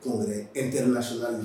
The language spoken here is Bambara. Kɔn e terir naso la